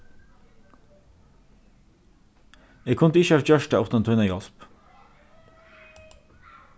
eg kundi ikki havt gjørt tað uttan tína hjálp